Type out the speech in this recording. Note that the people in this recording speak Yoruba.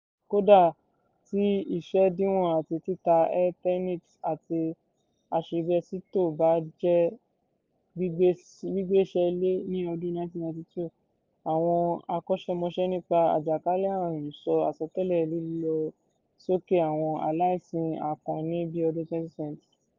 Kódà tí ìṣèdíwọ̀n àti títa Eternit àti àsìbẹ́sítọ̀ bá jẹ́ gbígbẹ́sẹ̀lé ní ọdún 1992,àwọn akọ́ṣẹ́mọṣẹ́ nípa àjàkálẹ̀-àrùn sọ àsọtẹ́lẹ̀ lílọ sókè àwọn aláìsàn akàn ní bíi ọdún 2020.